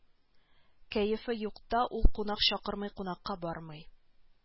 Кәефе юкта ул кунак чакырмый кунакка бармый